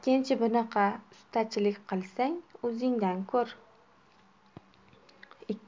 ikkinchi bunaqa ustachilik qilsang o'zingdan ko'r